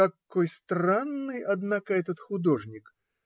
Какой странный, однако, этот художник!